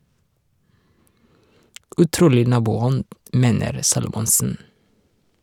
Utrolig naboånd, mener Salomonsen.